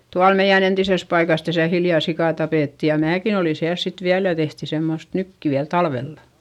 tuolla meidän entisessä paikassa tässä hiljan sika tapettiin ja minäkin olin siellä sitten vielä ja tehtiin semmoista nyttyä talvella